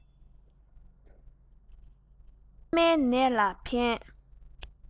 ལྷག ཏུ མཁལ མའི ནད ལ ཕན